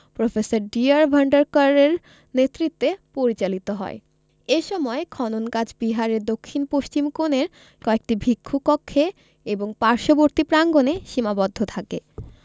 professor D R ভান্ডারকরের নেতৃত্বে পরিচালিত হয় এ সময়ে খনন কাজ বিহারের দক্ষিণ পশ্চিম কোণের কয়েকটি ভিক্ষু কক্ষে এবং পার্শ্ববর্তী প্রাঙ্গনে সীমাবদ্ধ থাকে